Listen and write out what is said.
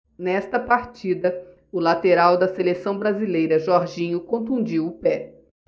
nesta partida o lateral da seleção brasileira jorginho contundiu o pé